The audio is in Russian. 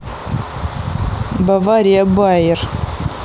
бавария байер